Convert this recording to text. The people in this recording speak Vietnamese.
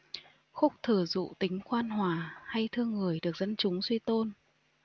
khúc thừa dụ tính khoan hòa hay thương người được dân chúng suy tôn